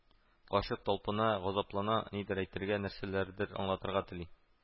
Карчык талпына, газаплана — нидер әйтергә, нәрсәләрдер аңлатырга тели